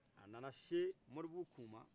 a nana se mɔribugu kuma